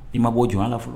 I ma b'o jɔnya la fɔlɔ